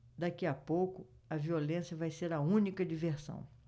daqui a pouco a violência vai ser a única diversão